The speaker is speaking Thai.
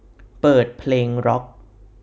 เปิดเพลงร็อค